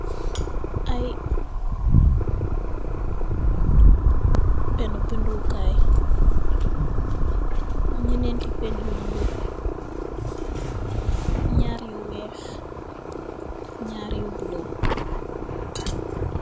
Ay penubindekaay, nyenti pen yu nyuul, nyaar yu weex, nyaar yu bula.